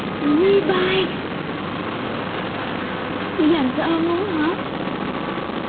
nhi bai đi làm xe ôm luôn đó hở